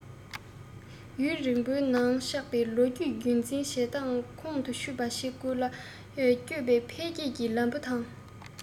དུས ཡུན རིང པོའི ནང ཆགས པའི ལོ རྒྱུས རྒྱུན འཛིན བྱེད སྟངས ཁོང དུ ཆུད པ བྱེད དགོས ལ བསྐྱོད པའི འཕེལ རྒྱས ཀྱི ལམ བུ དང